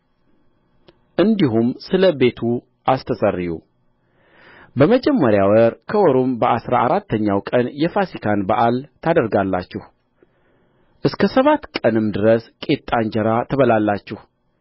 እንዲሁም ስለ ቤቱ አስተስርዩ በመጀመሪያ ወር ከወሩም በአሥራ አራተኛው ቀን የፋሲካን በዓል ታደርጋላችሁ እስከ ሰባት ቀንም ድረስ ቂጣ እንጀራ ትበላላችሁ